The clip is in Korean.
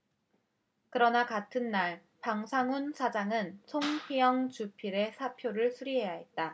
그러나 같은 날 방상훈 사장은 송희영 주필의 사표를 수리해야 했다